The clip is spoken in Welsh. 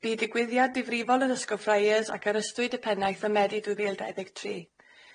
Bu'i digwyddiad difrifol yn Ysgol Fryers ac ar ystwyd y pennaeth ym Medi dwy fil dau ddeg tri.